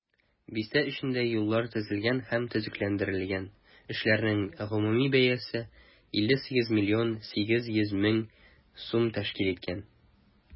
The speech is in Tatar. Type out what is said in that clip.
Бистә эчендә юллар төзелгән һәм төзекләндерелгән, эшләрнең гомуми бәясе 58,8 миллион сум тәшкил иткән.